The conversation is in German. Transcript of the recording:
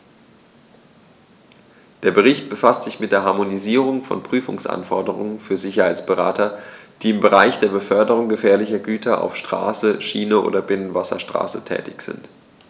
Der Bericht befasst sich mit der Harmonisierung von Prüfungsanforderungen für Sicherheitsberater, die im Bereich der Beförderung gefährlicher Güter auf Straße, Schiene oder Binnenwasserstraße tätig sind.